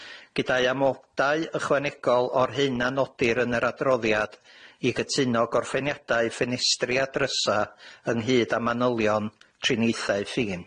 gydau amodau ychwanegol o'r hyn a nodir yn yr adroddiad, i gytuno gorffeniadau ffenestri a drysa ynghyd â manylion triniaethau ffin.